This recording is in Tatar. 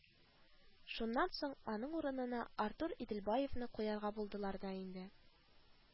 Шуннан соң аның урынына Артур Иделбаевны куярга булдылар да инде